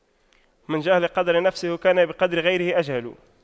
من جهل قدر نفسه كان بقدر غيره أجهل